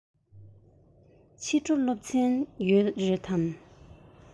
ཕྱི དྲོ སློབ ཚན ཡོད རེད པས